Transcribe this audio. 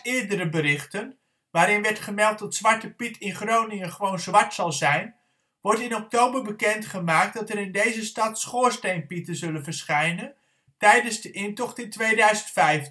eerdere berichten waarin werd gemeld dat Zwarte Piet in Groningen gewoon zwart zal zijn, wordt in oktober bekend gemaakt dat er in deze stad schoorsteenpieten zullen verschijnen tijdens de intocht in 2015